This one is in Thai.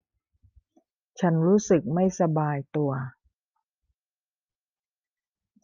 ฉันรู้สึกไม่สบายตัว